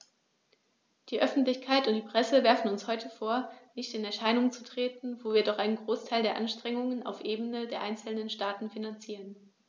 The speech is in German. Die Öffentlichkeit und die Presse werfen uns heute vor, nicht in Erscheinung zu treten, wo wir doch einen Großteil der Anstrengungen auf Ebene der einzelnen Staaten finanzieren.